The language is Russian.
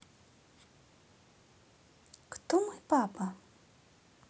кто мой папа